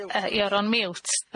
y- You're on mute.